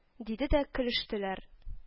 — диде дә көлештеләр